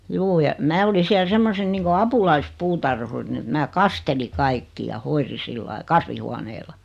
juu ja minä olin siellä semmoisena niin kuin apulaispuutarhurina että minä kastelin kaikki ja hoidin sillä lailla kasvihuoneella